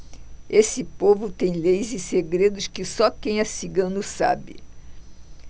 esse povo tem leis e segredos que só quem é cigano sabe